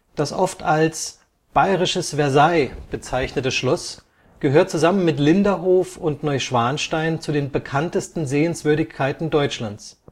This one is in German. Das oft als Bayerisches Versailles bezeichnete Schloss gehört zusammen mit Linderhof und Neuschwanstein zu den bekanntesten Sehenswürdigkeiten Deutschlands